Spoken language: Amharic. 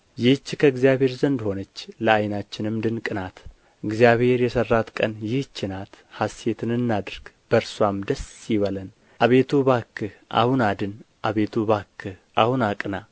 ይህች ከእግዚአብሔር ዘንድ ሆነች ለዓይናችንም ድንቅ ናት እግዚአብሔር የሠራት ቀን ይህች ናት ሐሤትን እናድርግ በእርስዋም ደስ ይበለን አቤቱ እባክህ አሁን አድን አቤቱ እባክህ አሁን አቅና